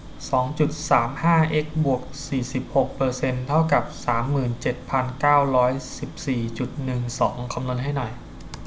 สองจุดสามห้าเอ็กซ์บวกสี่สิบหกเปอร์เซนต์เท่ากับสามหมื่นเจ็ดพันเก้าสิบสี่จุดหนึ่งสองคำนวณให้หน่อย